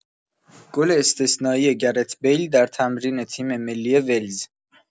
گل استثنایی گرت بیل در تمرین تیم‌ملی ولز